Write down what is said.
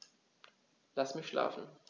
Lass mich schlafen